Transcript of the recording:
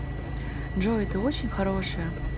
джой ты очень хорошая